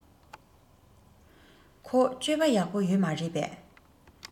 ཁོ སྤྱོད པ ཡག པོ ཡོད མ རེད པས